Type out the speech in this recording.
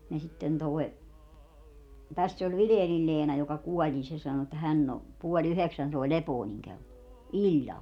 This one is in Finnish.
ja sitten tuo tässä oli Vilenin Leena joka kuoli niin se sanoi että hän on puoli yhdeksän soi Lepoonin kello illalla